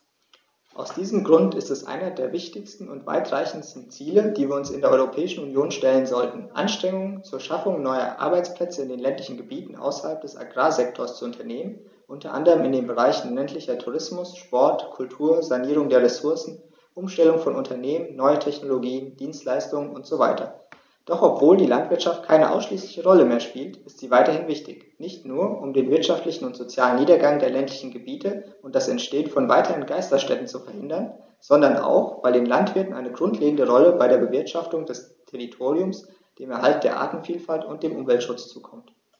Aus diesem Grund ist es eines der wichtigsten und weitreichendsten Ziele, die wir uns in der Europäischen Union stellen sollten, Anstrengungen zur Schaffung neuer Arbeitsplätze in den ländlichen Gebieten außerhalb des Agrarsektors zu unternehmen, unter anderem in den Bereichen ländlicher Tourismus, Sport, Kultur, Sanierung der Ressourcen, Umstellung von Unternehmen, neue Technologien, Dienstleistungen usw. Doch obwohl die Landwirtschaft keine ausschließliche Rolle mehr spielt, ist sie weiterhin wichtig, nicht nur, um den wirtschaftlichen und sozialen Niedergang der ländlichen Gebiete und das Entstehen von weiteren Geisterstädten zu verhindern, sondern auch, weil den Landwirten eine grundlegende Rolle bei der Bewirtschaftung des Territoriums, dem Erhalt der Artenvielfalt und dem Umweltschutz zukommt.